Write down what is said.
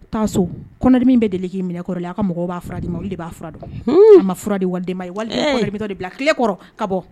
Taa so kɔnɔdimin bɛ deli k'i minɛ kɔrɔlen a ka mɔgɔw b'a fura d'i ma olu de b'a fura dɔn. Hun! A ma fura di waliden ma. E ! A ye waliden kɔnɔdiminbagatɔ de bila tile kɔrɔ ka bɔ.